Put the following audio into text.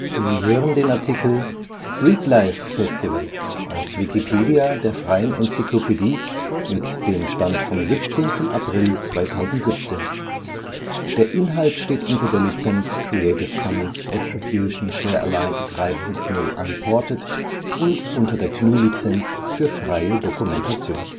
Sie hören den Artikel Streetlife Festival, aus Wikipedia, der freien Enzyklopädie. Mit dem Stand vom Der Inhalt steht unter der Lizenz Creative Commons Attribution Share Alike 3 Punkt 0 Unported und unter der GNU Lizenz für freie Dokumentation